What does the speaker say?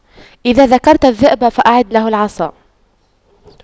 إذا ذكرت الذئب فأعد له العصا